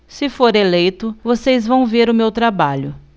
se for eleito vocês vão ver o meu trabalho